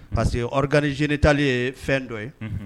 Parce que kanizetali ye fɛn dɔ ye